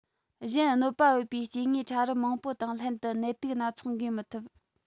གཞན གནོད པ ཡོད པའི སྐྱེ དངོས ཕྲ རབ མང པོ དང ལྷན དུ ནད དུག སྣ ཚོགས འགོས མི ཐུབ